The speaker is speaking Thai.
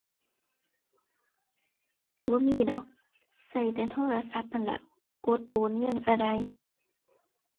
บ่มีดอก ใช้แต่โทรศัพท์นั่นล่ะ กดโอนเงินใช้ได้